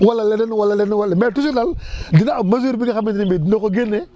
wala leneen wala leneen wala leneen mais toujours daal dina am mesure bi nga xamante ni bii dina ko génne